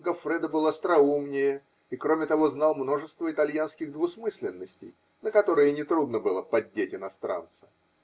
Гоффредо был остроумнее и, кроме того, знал множество итальянских двусмысленностей, на которые нетрудно было поддеть иностранца